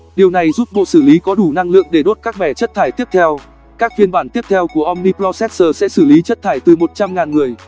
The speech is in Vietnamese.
điều này giúp bộ xử lý có đủ năng lượng để đốt các mẻ chất thải tiếp theo các phiên bản tiếp theo của omniprocessor sẽ xử lý chất thải từ người